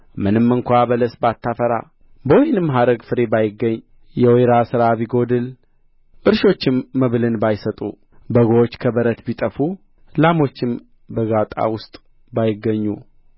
ምንም እንኳ በለስም ባታፈራ በወይንም ሐረግ ፍሬ ባይገኝ የወይራ ሥራ ቢጐድል እርሾችም መብልን ባይሰጡ በጎች ከበረቱ ቢጠፉ ላሞችም በጋጡ ውስጥ ባይገኙ